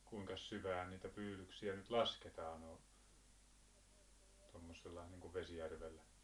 kuinkas syvään niitä pyydyksiä nyt lasketaan noin tuommoisella niin kuin Vesijärvellä